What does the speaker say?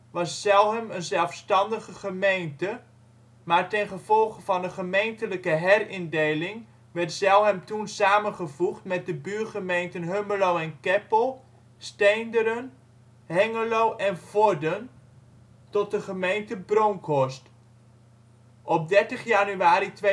was Zelhem een zelfstandige gemeente, maar ten gevolge van een gemeentelijke herindeling werd Zelhem toen samengevoegd met de buurgemeenten Hummelo en Keppel, Steenderen, Hengelo en Vorden tot de gemeente Bronckhorst. Op 30 januari 2008